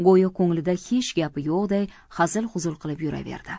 go'yo ko'nglida hech gap yo'qday hazil huzul qilib yuraverdi